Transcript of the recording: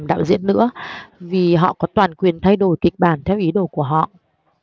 đạo diễn nữa vì họ có toàn quyền thay đổi kịch bản theo ý đồ của họ